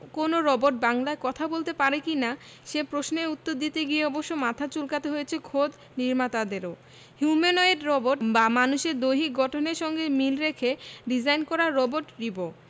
কোনো রোবট বাংলায় কথা বলতে পারে কি না সে প্রশ্নের উত্তর দিতে গিয়ে অবশ্য মাথা চুলকাতে হয়েছে খোদ নির্মাতাদেরও হিউম্যানোয়েড রোবট বা মানুষের দৈহিক গঠনের সঙ্গে মিল রেখে ডিজাইন করা রোবট রিবো